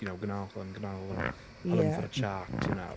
You know? "Gwna hwn, gwna hwn." ... ie ...pull him for a chat, you know?*